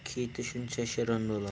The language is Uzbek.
keti shuncha shirin bo'lar